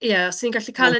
Ie, os ni'n gallu cael e'n...